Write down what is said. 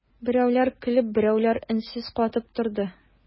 Берәүләр көлеп, берәүләр өнсез катып торды.